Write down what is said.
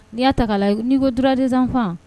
N'i'a ta la i n'i ko ddsanfa